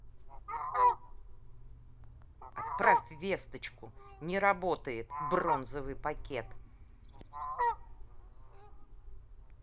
отправь весточку не работает бронзовый пакет